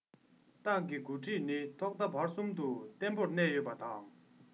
ཏང གི འགོ ཁྲིད ནི ཐོག མཐའ བར གསུམ དུ བརྟན པོར གནས ཡོད